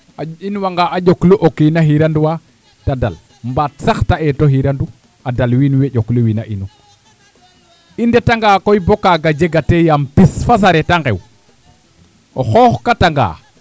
a inwanga a ƴooklu o kiin a xirandwaa te dal mbaat sax ta eeto xirandu a dal wiin we ƴooklu win a inu i ndetanga koy bo kaaga jega tee yaam pis fa a sareet a nqew o xooxtakanga